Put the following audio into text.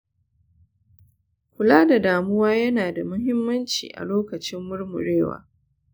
kula da damuwa yana da muhimmanci a lokacin murmurewa.